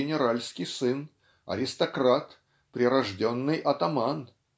генеральский сын, аристократ, прирожденный атаман,